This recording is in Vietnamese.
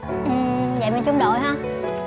ừ vậy mình chung đội ha